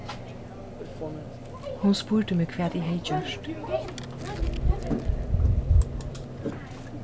hon spurdi meg hvat eg hevði gjørt